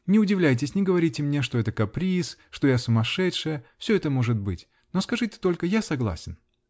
Не удивляйтесь, не говорите мне, что это каприз, что я сумасшедшая -- все это может быть, -- но скажите только: я согласен!